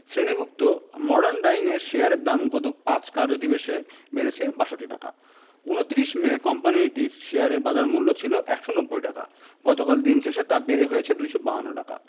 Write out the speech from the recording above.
শ্রেণিভুক্ত মর্ডান ডায়িংয়ের শেয়ারের দাম গত ৫ কার্যদিবসেই বেড়েছে ৬২ টাকা ২৯ মে কোম্পানিটির শেয়ারের বাজারমূল্য ছিল ১৯০ টাকা গতকাল দিন শেষে তা বেড়ে হয়েছে ২৫২ টাকা